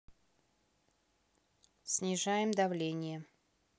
снижаем давление